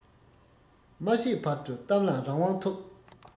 མ བཤད བར དུ གཏམ ལ རང དབང ཐོབ